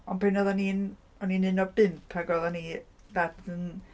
Ond pan oeddwn i'n... o'n i'n un o bump ac oeddwn i... Dad yn